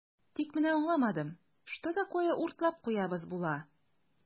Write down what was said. Тик менә аңламадым, что такое "уртлап куябыз" була?